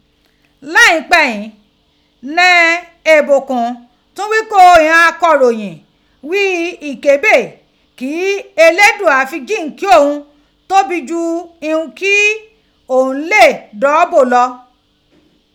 Laipẹ ghin ni Ìbùkún tun ghi ko ighan akọroyin ghi ikebe ki Eledugha fi jinki oun tobi ju ighun ki oun le dọọ bo lọ.